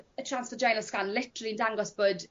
y trans vaginal scan literally yn dangos bod